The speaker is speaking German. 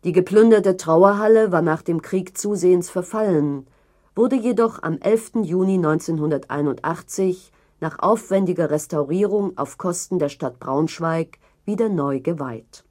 geplünderte Trauerhalle war nach dem Krieg zusehends verfallen, wurde jedoch am 11. Juni 1981, nach aufwendiger Restaurierung auf Kosten der Stadt Braunschweig, wieder neu geweiht